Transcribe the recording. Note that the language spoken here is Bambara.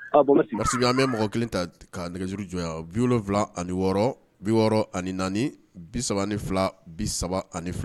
Masasi an bɛ mɔgɔ kelen ta ka nɛgɛuru jɔnya bi wolonwula ani wɔɔrɔ bi wɔɔrɔ ani naani bi3 ni fila bi3 ani fila